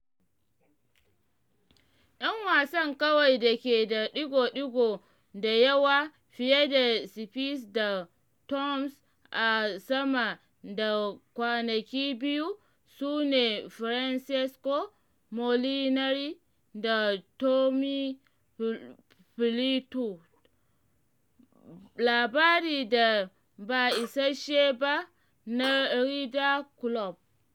‘Yan wasan kawai da ke da ɗigo-ɗigo da yawa fiye da Spieth da Thomas a sama da kwanaki biyu su ne Francesco Molinari da Tommy Fleetwood, labari da ba isasshe ba na Ryder Kulob.